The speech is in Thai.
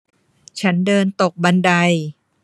ฉันเดินตกบันได